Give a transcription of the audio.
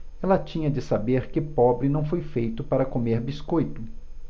ela tinha de saber que pobre não foi feito para comer biscoito